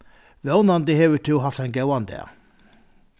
vónandi hevur tú havt ein góðan dag